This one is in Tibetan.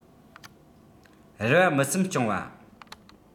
རེ བ མི སེམས སྐྱོང བ